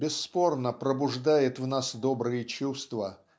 бесспорно пробуждает в нас добрые чувства